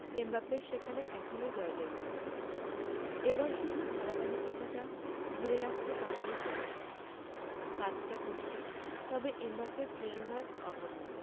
এমবাপ্পের সেখানে এখনই জয়জয়কার এবার শুধু ধারাবাহিকতাটা ধরে রাখতে পারলেই হলো কাজটা কঠিন তবে এমবাপ্পের প্রেরণার অভাব নেই